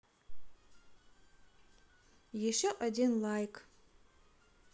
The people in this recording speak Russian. еще один like